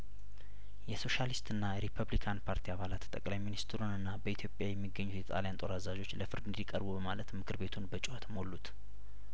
የሶሻሊስትና የሪፐብሊካን ፓርቲ አባላት ጠቅላይሚኒስትሩንና በኢትዮጵያ የሚገኙት የጣሊያን ጦር አዛዦች ለፍርድ እንዲ ቀርቡ በማለትምክር ቤቱን በጩኸት ሞሉት